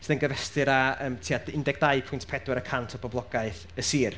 sydd yn gyfystyr â yym tua undeg dau pwynt pedwar y cant o boblogaeth y sir.